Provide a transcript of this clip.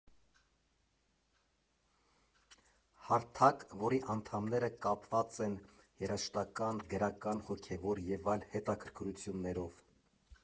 Հարթակ, որի անդամները կապված են երաժշտական, գրական, հոգևոր և այլ հետաքրքրություններով։